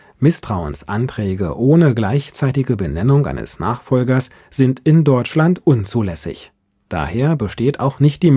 Misstrauensanträge ohne gleichzeitige Benennung eines Nachfolgers sind in Deutschland unzulässig. Daher besteht auch nicht die